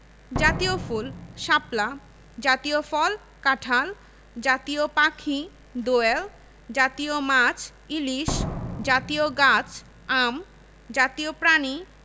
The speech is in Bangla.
ঢাকার রমনা এলাকার প্রায় ৬০০ একর জমি নিয়ে এ বিশ্ববিদ্যালয় প্রতিষ্ঠা করা হয় এর প্রাথমিক অবকাঠামোর বড় একটি অংশ গড়ে উঠে